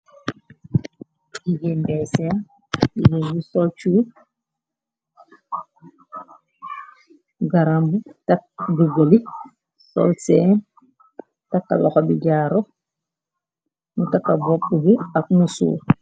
Jigéen geey seen, jigéen bi sol cub garambubu takk digg bi, sol seen, takka loxo bi jaaro, mu taka boppu bi ak musuur.